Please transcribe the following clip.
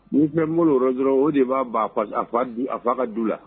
Ni fɛn bol'o rɔ dɔrɔn o de b'a ban a fas a fa du a fa ka du la